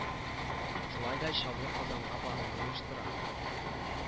Шулай да чаллы казанга баруны оештыра